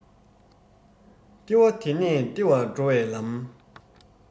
ལྟེ བ དེ ནས ལྟེ བར འགྲོ བའི ལམ